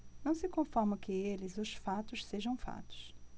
não se conformam que eles os fatos sejam fatos